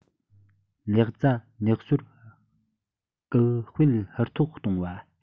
ལེགས བཙའ ལེགས གསོར སྐུལ སྤེལ ཧུར ཐག གཏོང བ